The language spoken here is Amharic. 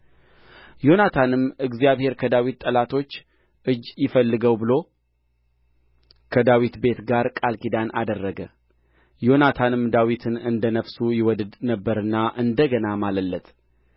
ዮናታንም እግዚአብሔር ከዳዊት ጠላቶች እጅ ይፈልገው ብሎ ከዳዊት ቤት ጋር ቃል ኪዳን አደረገ ዮናታንም ዳዊትን እንደ ነፍሱ ይወድድ ነበርና እንደ ገና ማለለት